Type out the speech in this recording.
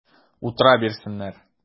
Утыра бирсеннәр!